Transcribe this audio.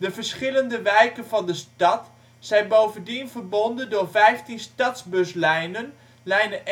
verschillende wijken van de stad zijn bovendien verbonden door vijftien stadsbuslijnen: lijnen